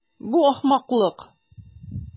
Бу ахмаклык.